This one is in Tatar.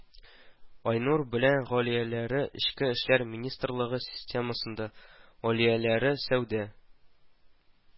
Айнур белән Гөлияләре Эчке эшләр министрлыгы системасында, Алияләре сәүдә